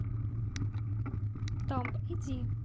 tomb иди